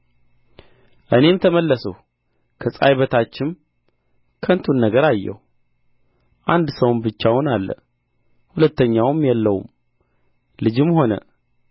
እኔም ተመለስሁ ከፀሐይ በታችም ከንቱን ነገር አየሁ አንድ ሰው ብቻውን አለ ሁለተኛም የለውም ልጅም ሆነ